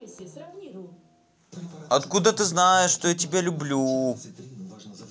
а откуда ты знаешь что я тебя люблю